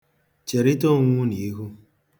Cherịta onwe unu ihu.